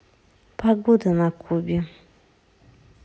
погода на кубе